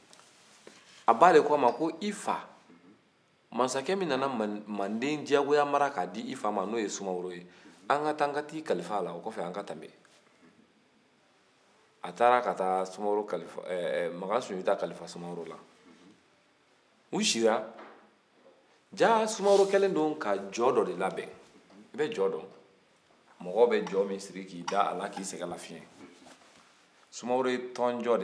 an ka taa n k'i kalaif'a la o kɔfɛ an ka tɛmɛ a taara ka taa sumaworo kalif ɛh makan sunjata kalia sumaworo la u sira jaah sumaworo kɛlen don ka jɔ dɔ de labɛn i bɛ jɔ don mɔgɔ bɛ jɔ min siri k'a d'a la k'a sɛgɛn lafiɲɛ sumaworo ye tɔnjɔ de labɛn tɔn jɔ